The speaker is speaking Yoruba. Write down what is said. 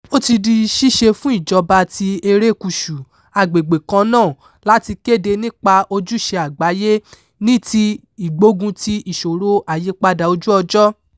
Ó ti di ṣíṣe fún ìjọba ti erékùṣù agbègbè kan náà láti kéde nípa ojúṣe àgbáyé ní ti ìgbógunti ìṣòro àyípadà ojú-ọjọ́.